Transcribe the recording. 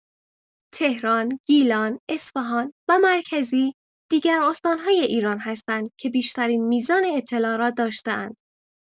تهران، گیلان، اصفهان و مرکزی دیگر استان‌های ایران هستند که بیشترین میزان ابتلا را داشته‌اند.